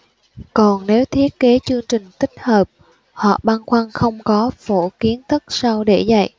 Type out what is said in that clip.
còn nếu thiết kế chương trình tích hợp họ băn khoăn không có phổ kiến thức sâu để dạy